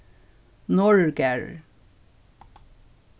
norðurgarður